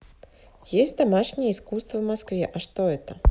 есть домашнее искусство в москве а что это